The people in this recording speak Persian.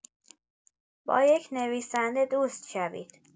با یک نویسنده دوست شوید!